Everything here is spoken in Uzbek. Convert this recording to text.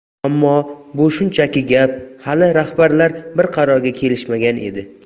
ammo bu shunchaki gap hali rahbarlar bir qarorga kelishmagan edi